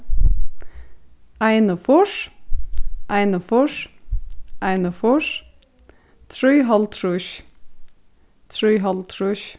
einogfýrs einogfýrs einogfýrs trýoghálvtrýss trýoghálvtrýss